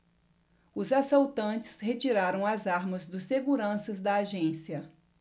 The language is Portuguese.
os assaltantes retiraram as armas dos seguranças da agência